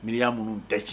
Miya minnu tɛ ci